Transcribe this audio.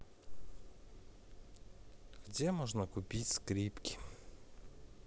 где можно купить скрипки